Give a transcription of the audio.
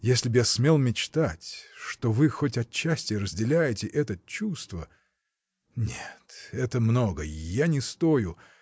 Если б я смел мечтать, что вы хоть отчасти разделяете это чувство. нет, это много, я не стою.